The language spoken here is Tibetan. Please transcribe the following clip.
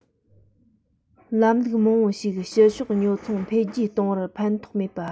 ལམ ལུགས མང པོ ཞིག ཕྱི ཕྱོགས ཉོ ཚོང འཕེལ རྒྱས གཏོང བར ཕན ཐོགས མེད པ